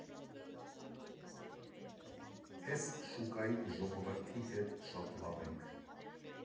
Էս շուկայի ժողովրդի հետ էլ շատ լավ ենք։